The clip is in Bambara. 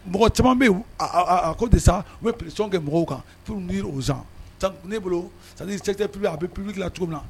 Mɔgɔ caman bɛ a ko de sa u sɔn kɛ mɔgɔw kan pbi nisani bolo san cɛpibi a bɛ pbi la cogo min na